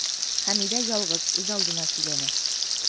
Хәмидә ялгыз, үзалдына сөйләнә.